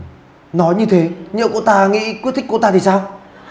nói như thế nhỡ cô ta nghĩ quyết thích cô ta thì sao